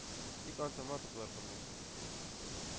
Тик антыма таплар кунмасын!»